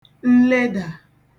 nledà